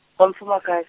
wa mufumaka-.